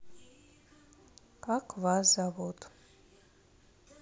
как вас зовут